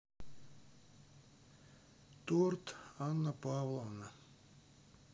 торт анна павлова